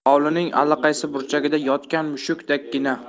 hovlining allaqaysi burchagida yotgan mushukdekkina